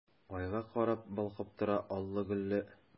Айга карап балкып тора аллы-гөлле!